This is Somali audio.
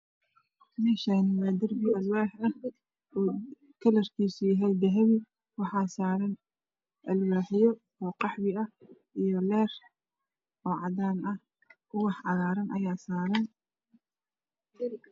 Meeshaani waa darbi alwaax kalarkisa dahabi yahay waxaa saaran alwaaxyo qaxwi ah iyo leer cadaan ubadan cagaaran Aya saaran